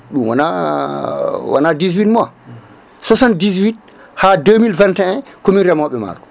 ɗum wona wona 18 mois 78 ha 2021 komin remoɓe maaro